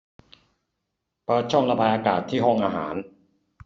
เปิดช่องระบายอากาศที่ห้องอาหาร